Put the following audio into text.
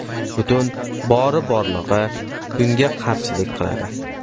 butun bori borlig'i bunga qarshilik qiladi